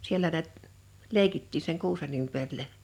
siellä näet leikittiin sen kuusen ympärillä